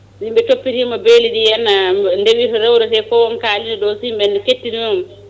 so yimɓe toppitima beeliɗi henna ndeewi to rewreteko on kaalinoɗo so yimɓe kettinoma ɗum